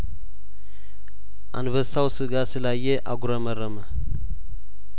አንበሳው ስጋ ስላ የአጉረመረመ